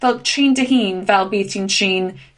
...fel trin dy hun fel bydd ti'n trin